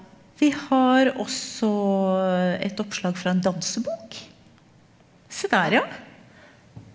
vi har også et oppslag fra en dansebok, se der ja.